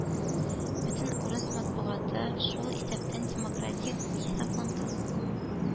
Бөтен урыс матбугаты, шул исәптән демократик хисапланган